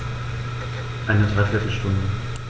Eine dreiviertel Stunde